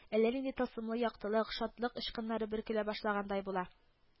Әллә нинди тылсымлы яктылык, шатлык очкыннары бөркелә башлагандай була